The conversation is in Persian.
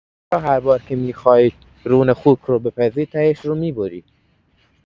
چرا هربار که می‌خوای رون خوک رو بپزی تهش رو می‌بری؟